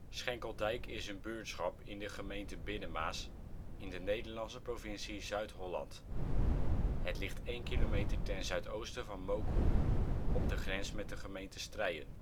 Schenkeldijk is een buurtschap in de gemeente Binnenmaas in de Nederlandse provincie Zuid-Holland. Het ligt 1 kilometer ten zuidoosten van Mookhoek op de grens met de gemeente Strijen